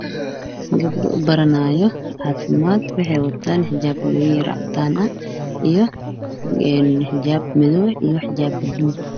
Waa iskuul gabdhaha ayaa fadhiya xijaamo cadaan wataan iyo qorayaan